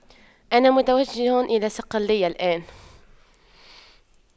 أنا متوجه إلى صقلية الآن